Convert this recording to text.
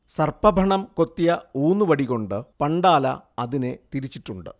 സർപ്പഫണം കൊത്തിയ ഊന്നുവടികൊണ്ട് പണ്ടാല അതിനെ തിരിച്ചിട്ടു